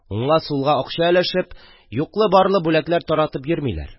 Уңга-сулга акча өләшеп, юклы-барлы бүләкләр таратып йөрмиләр.